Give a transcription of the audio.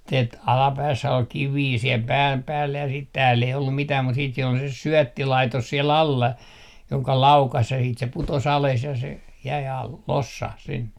- alapäässä oli kiviä siellä pään päällä ja sitten täällä ei ollut mitään mutta sitten siellä oli se syöttilaitos siellä alla jonka laukaisi ja sitten se putosi alas ja se jäi - lossahti sinne